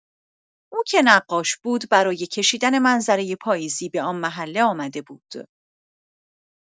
او که نقاش بود، برای کشیدن منظره پاییزی به آن محله آمده بود.